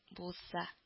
Булса